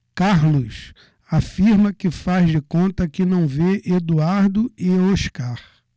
carlos afirma que faz de conta que não vê eduardo e oscar